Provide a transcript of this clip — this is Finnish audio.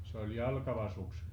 se oli jalkava suksi